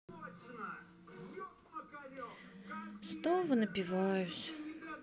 снова напиваюсь